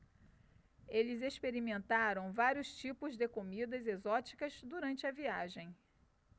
eles experimentaram vários tipos de comidas exóticas durante a viagem